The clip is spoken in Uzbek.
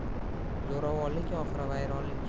zo'ravonlik oxiri vayronlik